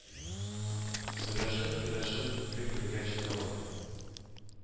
Серләшеп-гөрләшеп, гел бергә эшли алар